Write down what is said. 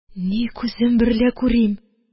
Ни күзем берлә күрим